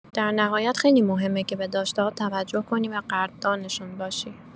در نهایت، خیلی مهمه که به داشته‌هات توجه کنی و قدردانشون باشی.